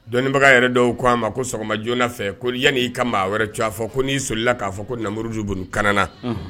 Dɔnniibaga yɛrɛ dɔw ko a ma ko n'i sɔlila sɔgɔma joona fɛ ko yani i ka maa wɛrɛ tɔgɔ fɔ ko n'i sɔlila k'a fɔ ko namuruzu bun kanana, unhun.